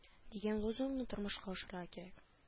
Дигән лозунгны тормышка ашырырга кирәк